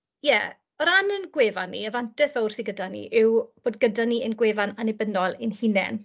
Ie, o ran ein gwefan ni, y fantais fawr sy gyda ni yw bod gyda ni ein gwefan annibynnol ein hunain.